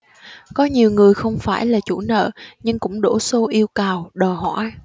có nhiều người không phải là chủ nợ nhưng cũng đổ xô lại yêu cầu đòi hỏi